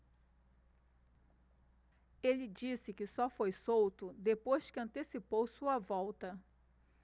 ele disse que só foi solto depois que antecipou sua volta